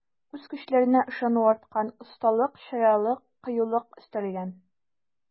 Үз көчләренә ышану арткан, осталык, чаялык, кыюлык өстәлгән.